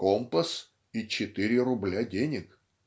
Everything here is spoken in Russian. компас и четыре рубля денег.